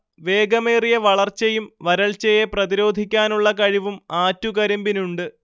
വേഗമേറിയ വളർച്ചയും വരൾച്ചയെ പ്രതിരോധിക്കാനുള്ള കഴിവും ആറ്റുകരിമ്പിനുണ്ട്